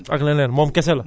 ak leneen moom kese la